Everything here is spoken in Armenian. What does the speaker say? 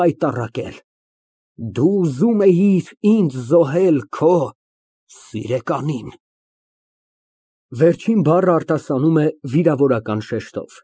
Ոչ, ընդհակառակը, դու ուզում էիր ինձ զոհել քո… սիրականին։ (Վերջին բառը արտասանում է վիրավորական շեշտով)։